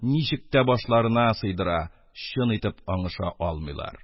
Ничек тә башларына сыйдыра, чын итеп аңлаша алмыйлар.